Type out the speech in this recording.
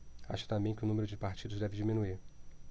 acha também que o número de partidos deve diminuir